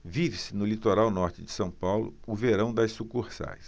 vive-se no litoral norte de são paulo o verão das sucursais